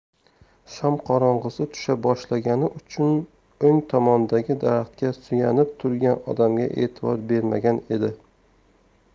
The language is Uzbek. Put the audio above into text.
shom qorong'usi tusha boshlagani uchun o'ng tomondagi daraxtga suyanib turgan odamga e'tibor bermagan edi